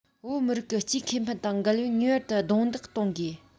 བོད མི རིགས ཀྱི སྤྱིའི ཁེ ཕན དང འགལ བས ངེས པར དུ རྡུང རྡེག གཏོང དགོས